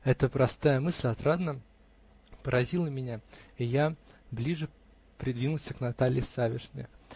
Эта простая мысль отрадно поразила меня, и я ближе придвинулся к Наталье Савишне.